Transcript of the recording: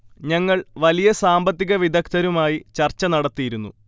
ഞങ്ങൾ വലിയ സാമ്പത്തിക വിദ്ഗധരുമായി ചർച്ച നടത്തിയിരുന്നു